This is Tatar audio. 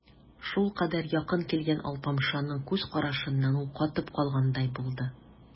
Шулкадәр якын килгән алпамшаның күз карашыннан ул катып калгандай булды.